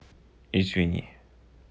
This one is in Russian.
извини